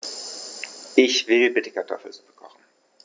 Ich will bitte Kartoffelsuppe kochen.